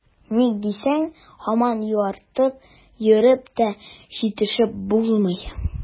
Ник дисәң, һаман юыртып йөреп тә җитешеп булмый.